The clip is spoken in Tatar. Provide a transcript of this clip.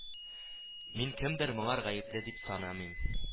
Мин кемдер моңар гаепле дип санамыйм